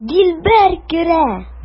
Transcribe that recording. Дилбәр керә.